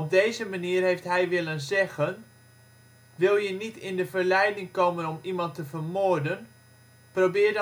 deze manier heeft Hij willen zeggen: wil je niet in de verleiding komen om iemand te vermoorden, probeer